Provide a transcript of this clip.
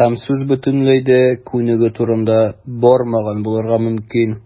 һәм сүз бөтенләй дә күнегү турында бармаган булырга мөмкин.